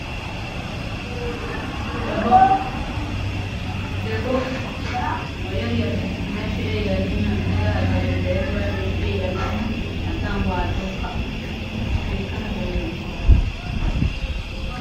Waa dhago midabkoodu yahay dahabi